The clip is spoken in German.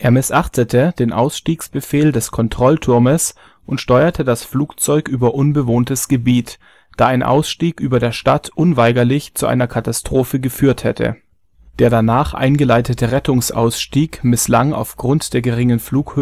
missachtete den Ausstiegsbefehl des Kontrollturmes und steuerte das Flugzeug über unbewohntes Gebiet, da ein Ausstieg über der Stadt unweigerlich zu einer Katastrophe geführt hätte. Der danach eingeleitete Rettungssaustieg in etwa 80 Metern Höhe misslang aufgrund der geringen Flughöhe